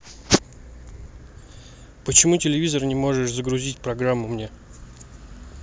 почему телевизор не можешь загрузить программу мне